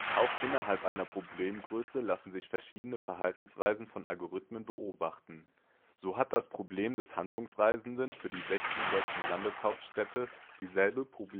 Auch innerhalb einer Problemgröße lassen sich verschiedene Verhaltensweisen von Algorithmen beobachten. So hat das Problem des Handlungsreisenden für die 16 deutschen Landeshauptstädte dieselbe Problemgröße